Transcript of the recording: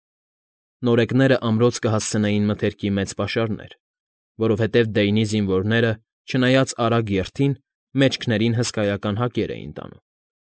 Նորեկները ամրոց կհասցնեին մթերքի մեծ պաշարներ, որովհետև Դեյնի զինվորները, չնայած արագ երթին, մեջքներին հսկայական հակեր էին տանում։